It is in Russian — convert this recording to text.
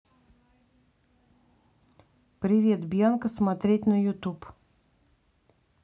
привет бьянка смотреть на ютуб